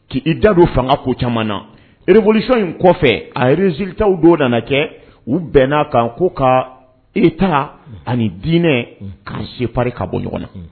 K' i da don fangako caman na erebsi in kɔfɛ a yiriiriziritaw don nana kɛ u bɛn n'a kan ko ka e ta ani diinɛ ka seeprinri ka bɔ ɲɔgɔn na